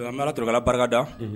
Barika da